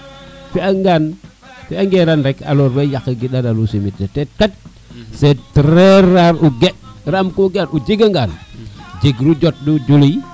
fiya ngaan fiya ngeran rek alors waxey yaq ke wine ɗatale wo simit na te qet c' est trés rare o ge ram ko ga o jega ngaan